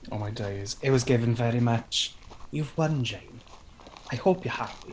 Oh my days, it was giving very much, "you've won, Jane, I hope you're happy"